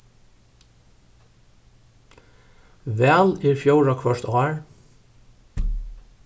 val er fjórða hvørt ár